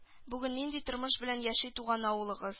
Бүген нинди тормыш белән яши туган авылыгыз